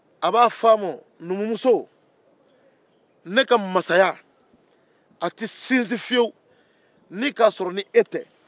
a b'a fɔ a ma numumuso ne ka masaya a tɛ sinsin fiyewu ni k'a sɔrɔ ni e tɛ